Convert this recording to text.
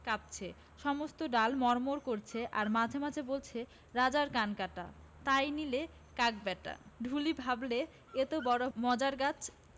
কাঁপছে সমস্ত ডাল মড়মড় করছে আর মাঝে মাঝে বলছে রাজার কান কাটা তাই নিলে কাক ব্যাটা ঢুলি ভাবলে এ তো বড়ো মজার গাছ